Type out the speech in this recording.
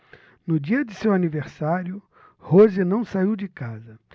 no dia de seu aniversário rose não saiu de casa